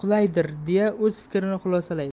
qulaydir deya o'z fikrini xulosalaydi